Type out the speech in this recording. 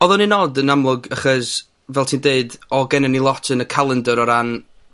Odd o'n un od, yn amlwg, achos, fel ti'n deud, o' gennon ni lot yn y calendyr o ran